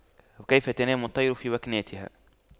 وكيف تنام الطير في وكناتها